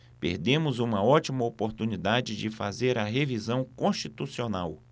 perdemos uma ótima oportunidade de fazer a revisão constitucional